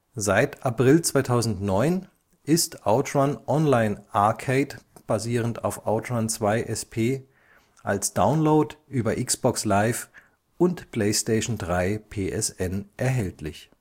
Seit April 2009 ist OutRun Online Arcade (basierend auf OutRun 2 SP) als Download über Xbox Live und Playstation 3 PSN erhältlich